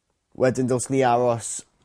wedyn dylen ni aros